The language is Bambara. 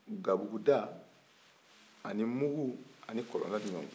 gabuguda ani mugu ani kɔlɔnda ni ɲɔgɔn cɛ